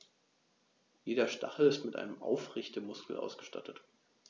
Jeder Stachel ist mit einem Aufrichtemuskel ausgestattet.